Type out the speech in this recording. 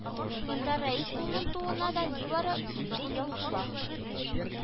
Илдар Рәис улының тууына да нибары илле ел тула